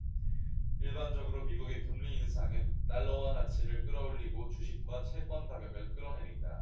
일반적으로 미국의 금리 인상은 달러화 가치를 끌어올리고 주식과 채권 가격은 끌어내린다